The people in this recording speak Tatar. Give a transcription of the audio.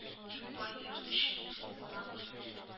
Бик бай йорт эче. Кунак бүлмәсе